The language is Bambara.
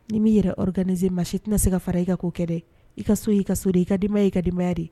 Ni min yɛrɛ o ka ne ma si tɛna se ka fara i ka k'o kɛ dɛ i ka so i ka so de i ka di ma ye i ka dibayaya de